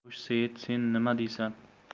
xo'sh seit sen nima deysan